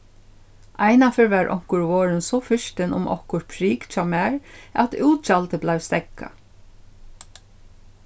einaferð var onkur vorðin so firtin um okkurt prik hjá mær at útgjaldið bleiv steðgað